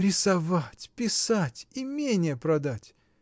Рисовать, писать, имение продать!